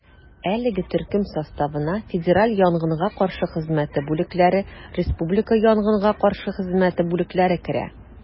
Әлеге төркем составына федераль янгынга каршы хезмәте бүлекләре, республика янгынга каршы хезмәте бүлекләре керә.